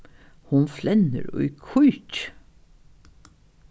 hon flennir í kíki